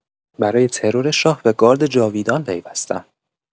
برای ترور شاه به گارد جاویدان پیوستم!